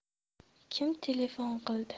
kim telefon qildi